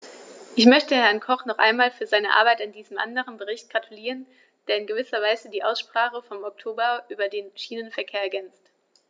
Ich möchte Herrn Koch noch einmal für seine Arbeit an diesem anderen Bericht gratulieren, der in gewisser Weise die Aussprache vom Oktober über den Schienenverkehr ergänzt.